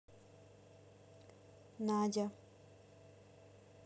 надя